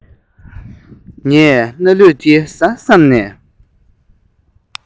ངས སྣ ལུད དེ བཟའ བསམས ནས